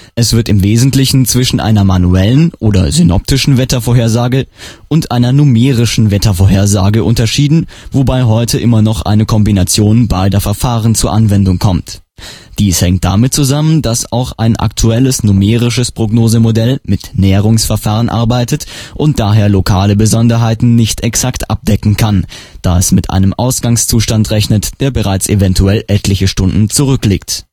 Es wird im Wesentlichen zwischen einer manuellen oder synoptischen Wettervorhersage und einer numerischen Wettervorhersage unterschieden, wobei heute immer noch eine Kombination beider Verfahren zur Anwendung kommt. Dies hängt damit zusammen, dass auch ein aktuelles numerisches Prognosemodell mit Näherungsverfahren arbeitet und daher lokale Besonderheiten nicht exakt abdecken kann, da es mit einem Ausgangszustand rechnet, der bereits eventuell etliche Stunden zurückliegt